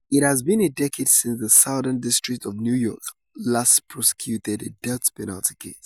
It has been a decade since the Southern District of New York last prosecuted a death penalty case.